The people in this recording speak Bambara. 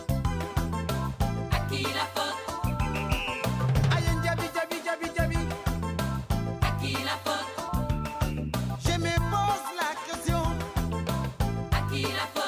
K'i a ja ja ja ja k'i la cɛ mɔfila son a k'